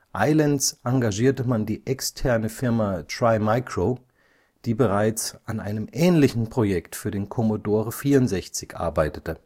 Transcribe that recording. Eilends engagierte man die externe Firma Tri-Micro, die bereits an einem ähnlichen Projekt für den Commodore 64 arbeitete